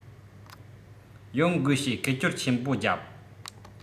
ཡང དགོས ཞེས སྐད ཅོར ཆེན པོ བརྒྱབ